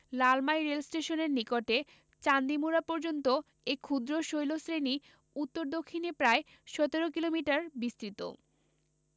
লালমাই রেলস্টেশনের নিকটে চান্দিমুরা পর্যন্ত এই ক্ষুদ্র শৈলশ্রেণি উত্তর দক্ষিণে প্রায় ১৭ কিলোমিটার বিস্তৃত